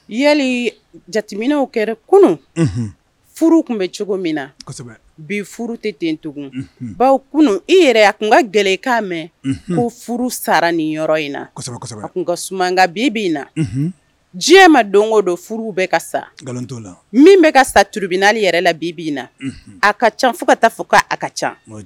Yali jatew kunun furu tun bɛ cogo min na bi tɛ den tugun baw kun i yɛrɛ a kun ka gɛlɛkan mɛn ko furu sara ni yɔrɔ inka bi na diɲɛ ma donko don furu bɛ ka sa min bɛ ka saurubi yɛrɛ la bi na a ka ca fo ka taa fɔ k' a ka ca